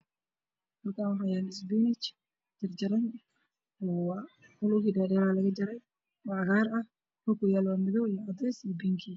Hal kaan waa yaalo qudaar la jar jaray midab keedu waa gaduud